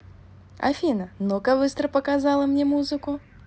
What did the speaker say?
афина ну ка быстро показала мне музыку